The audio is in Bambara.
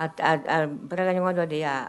Barikaɲɔgɔn dɔ de yan